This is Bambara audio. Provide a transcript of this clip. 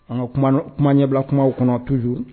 An ka kuma ɲɛbila kuma kɔnɔ tuu